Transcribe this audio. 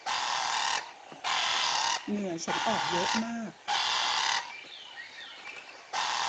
เหงื่อฉันออกเยอะมาก